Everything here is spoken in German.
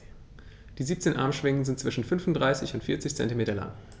Die 17 Armschwingen sind zwischen 35 und 40 cm lang.